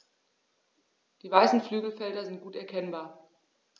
Die weißen Flügelfelder sind gut erkennbar.